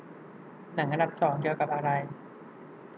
หนังอันดับสองเกี่ยวกับอะไร